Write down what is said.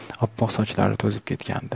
oppoq sochlari to'zg'ib ketgandi